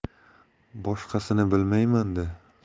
boshqasini bilmayman da